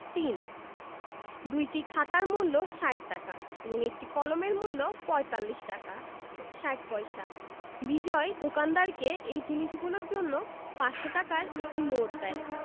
৩ দুইটি খাতার মূল্য ৬০ টাকা এবং একটি কলমের মূল্য ৪৫ টাকা ৬০ পয়সা বিজয় দোকানদারকে এই জিনিসগুলোর জন্য ৫০০ টাকার একটি নোট দেয়